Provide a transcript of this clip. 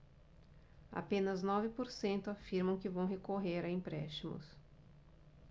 apenas nove por cento afirmam que vão recorrer a empréstimos